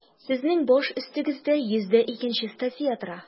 Сезнең баш өстегездә 102 нче статья тора.